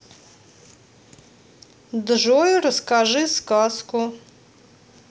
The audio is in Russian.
джой расскажи сказку